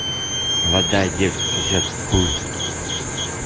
молодая девочка сосет хуй